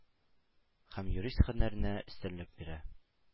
Һәм юрист һөнәренә өстенлек бирә.